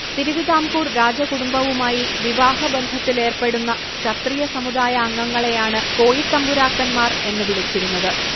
തിരുവിതാംകൂർ രാജകുടുംബവുമായി വിവാഹബന്ധത്തിലേർപ്പെടുന്ന ക്ഷത്രിയസമുദായാംഗങ്ങളെയാണ് കോയിത്തമ്പുരാക്കന്മാർ എന്നു വിളിച്ചിരുന്നത്